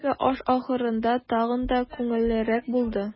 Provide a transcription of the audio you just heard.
Төшке аш ахырында тагы да күңеллерәк булды.